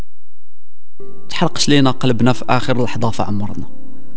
حق سلينا قلبنا في اخر لحظه في عمرنا